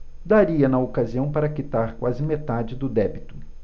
daria na ocasião para quitar quase metade do débito